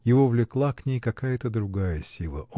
его влекла к ней какая-то другая сила.